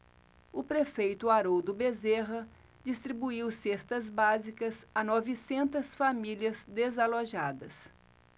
o prefeito haroldo bezerra distribuiu cestas básicas a novecentas famílias desalojadas